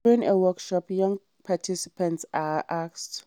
During a workshop, young participants are asked: